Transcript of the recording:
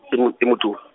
e mo-, e moto-.